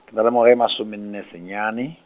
ke na le ngwaga e masomenne senyane.